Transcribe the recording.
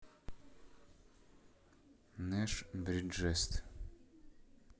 нэш бриджест